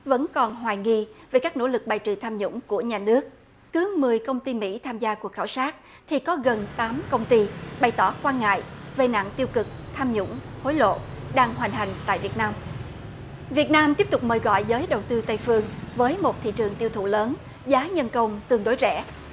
vẫn còn hoài nghi về các nỗ lực bài trừ tham nhũng của nhà nước cứ mười công ty mỹ tham gia cuộc khảo sát thì có gần tám công ty bày tỏ quan ngại về nạn tiêu cực tham nhũng hối lộ đang hoành hành tại việt nam việt nam tiếp tục mời gọi giới đầu tư tây phương với một thị trường tiêu thụ lớn giá nhân công tương đối rẻ